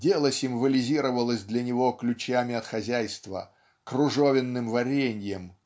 дело символизировалось для него ключами от хозяйства кружовенным вареньем